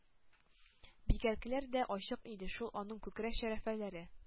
Бигрәкләр дә ачык иде шул аның күкрәк-шәрәфләре!